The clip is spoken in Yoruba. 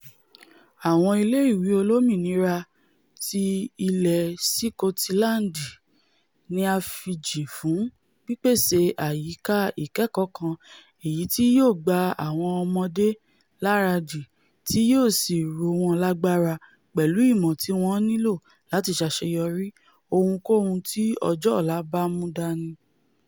Àwọn ilé ìwé olómìnira ti ilẹ̀ Sikotilandi ní a fijìn fún pípèsè àyíká ìkẹ́kọ̀ọ́ kan èyití yóò gba àwọn ọmọdé laradì tí yóò sì rówọn lágbara pẹ̀lú ìmọ̀ tíwọ́n nílò láti ṣàṣeyọrí, ohunkóhùn tí ọjọ́ ọ̀la bámú dáni.